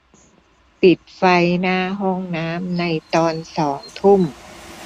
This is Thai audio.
ปิดไฟหน้าห้องน้ำในตอนสองทุ่ม